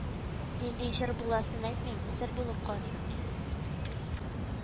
Нинди җыр буласын әйтмим, сер булып калсын